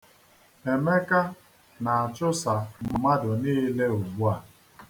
Emeka na-achụsa mmadụ niile ugbua.